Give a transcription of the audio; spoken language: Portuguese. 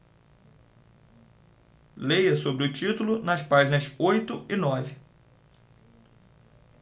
leia sobre o título nas páginas oito e nove